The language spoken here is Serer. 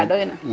Ka doyna ?